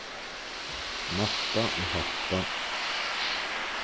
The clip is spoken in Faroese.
mappa og happa